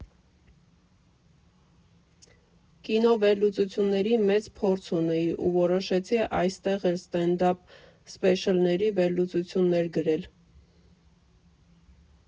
Կինովերլուծությունների մեծ փորձ ունեի ու որոշեցի այստեղ էլ ստենդափ սփեշլների վերլուծություններ գրել։